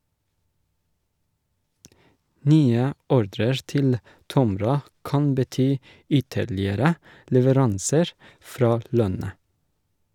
Nye ordrer til Tomra kan bety ytterligere leveranser fra Lønne.